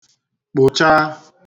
kpụchaa